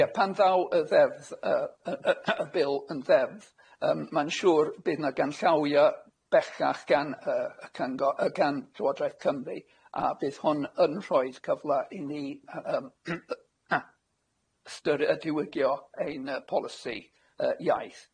Ie pan ddaw y ddeddf yy y y y y bil yn ddeddf yym ma'n siŵr bydd 'na ganllawia bellach gan yy y cango- yy gan Llywodraeth Cymru a bydd hwn yn rhoid cyfle i ni yy yym yy yy yy yy ystyried a diwygio ein yy polisi yy iaith.